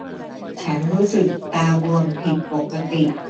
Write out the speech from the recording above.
ฉันรู้สึกตาบวมผิดปกติ